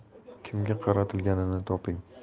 kimga qaratilganini toping